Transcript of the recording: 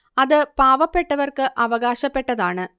അത് പാവപ്പെട്ടവർക്ക് അവകാശപ്പെട്ടതാണ്